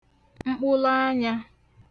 mkpụlụanyā